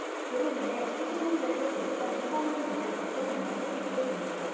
그로 인해 청소년들을 비롯한 일반인들은 어떤 영향을 받게 됩니까